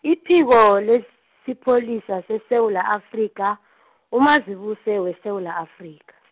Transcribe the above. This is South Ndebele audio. iphiko lesiPholisa seSewula Afrika, uMazibuse weSewula Afrika.